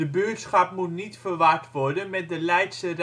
buurtschap moet niet verward worden met de Leidsche